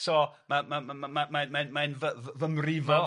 So ma' ma' ma' ma' ma' mae'n mae'n fy- fy- fy mrifo.